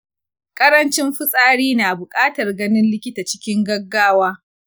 karancin fitsari na bukatar ganin likita cikin gaggawa.